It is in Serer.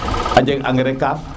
a jeg engais kaaf